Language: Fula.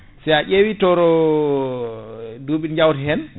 si a ƴeewi toro duuɓi ɗi jawteten